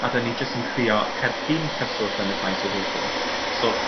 a 'dan ni jyst yn crio heb dim cyswllt yn y llais o gwbwl so